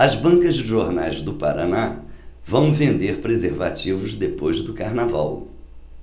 as bancas de jornais do paraná vão vender preservativos depois do carnaval